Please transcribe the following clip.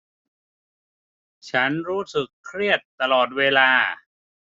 ฉันรู้สึกเครียดตลอดเวลา